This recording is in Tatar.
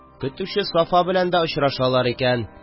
– көтүче сафа белән дә очрашалар икән.